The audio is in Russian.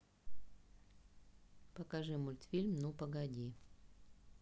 покажи мультфильм ну погоди